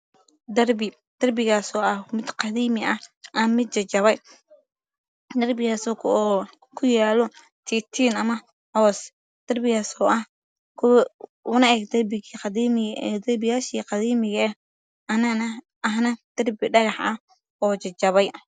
darbi darbigaso ah Mid qadimi ah Mid jajabay darbigas oo kuyalo titin amah darbigaso ah Una eg darbiyasha qadimiga eh ahna darbi dhagax ah oojabay